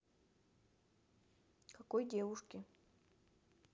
какой девушки